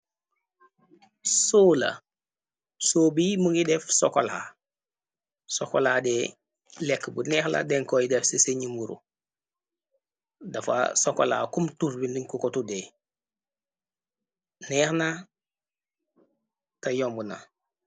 soo la, soo bi mungi def sokola, sokolaade lekk bu neexla denkooy def ci se ñi buro. Dafa sokola kum turbi nduñku ko tuddee. Neexna te yombu na.